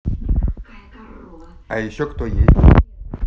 а еще кто есть